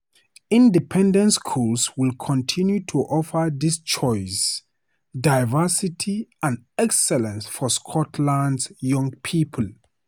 Independent schools will continue to offer this choice, diversity and excellence for Scotland's young people.